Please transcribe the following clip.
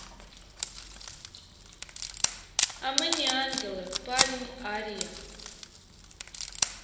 а мы не ангелы парень ария